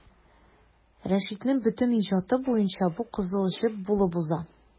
Рәшитнең бөтен иҗаты буена бу кызыл җеп булып сузыла.